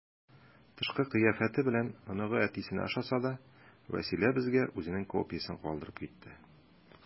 Тышкы кыяфәте белән оныгы әтисенә охшаса да, Вәсилә безгә үзенең копиясен калдырып китте.